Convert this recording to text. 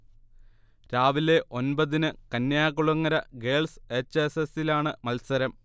രാവിലെ ഒൻപതിന് Kanyakulangara girls H S എസിലാണ് മത്സരം